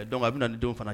Don a bɛ na denw fana